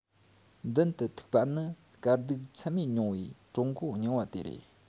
མདུན དུ ཐུག པ ནི དཀའ སྡུག ཚད མེད མྱོང བའི ཀྲུང གོ རྙིང པ དེ རེད